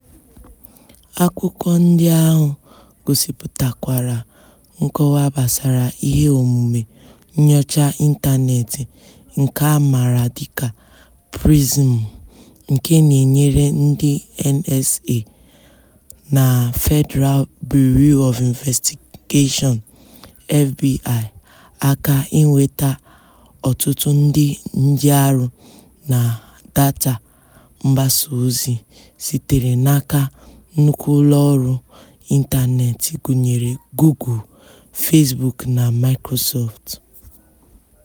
Akwụkwọ ndị ahụ gosịpụtakwara nkọwa gbasara iheomume nnyocha ịntaneetị nke a maara dịka PRISM, nke na-enyere ndị NSA na Federal Bureau of Investigation (FBI) aka inweta ọtụtụ ndị njiarụ na data mgbasaozi sitere n'aka nnukwu ụlọọrụ ịntaneetị gụnyere Google, Facebook na Microsoft.